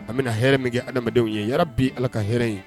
A bɛna na hɛrɛ min kɛ adamadamadenw ye yala bi ala ka hɛrɛ ye